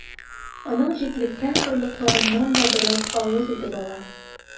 Аның җитлеккән орлыкларыннан да бераз авыз итеп ала.